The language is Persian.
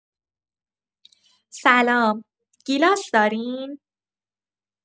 سلام، گیلاس دارین؟